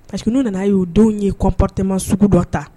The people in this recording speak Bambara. Parce que n'u nana a y'o denw ye kɔnptɛma sugu dɔ ta